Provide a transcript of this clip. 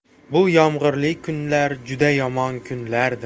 bu yomg'irli kunlar juda yomon kunlardir